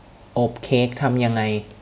อบเค้กทำยังไง